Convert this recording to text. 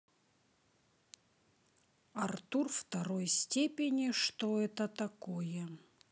артур второй степени что это такое